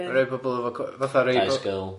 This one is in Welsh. Rei bobol efo cw- fatha rei bobl- Dau sgil.